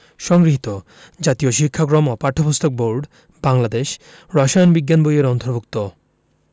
সংগৃহীত জাতীয় শিক্ষাক্রম ও পাঠ্যপুস্তক বোর্ড বাংলাদেশ রসায়ন বিজ্ঞান বই এর অন্তর্ভুক্ত